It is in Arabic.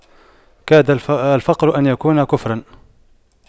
كاد الفقر أن يكون كفراً